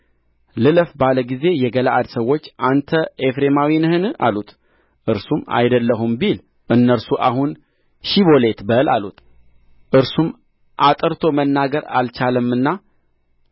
ልለፍ ባለ ጊዜ የገለዓድ ሰዎች አንተ ኤፍሬማዊ ነህን አሉት እርሱም አይደለሁም ቢል እነርሱ አሁን ሺቦሌት በል አሉት እርሱም አጥርቶ መናገር አልቻለምና